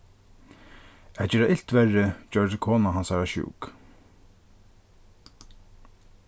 at gera ilt verri gjørdist kona hansara sjúk